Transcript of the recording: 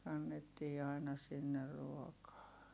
kannettiin aina sinne ruokaa